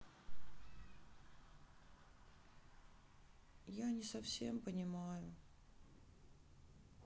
я не совсем понимаю